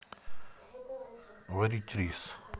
варить рис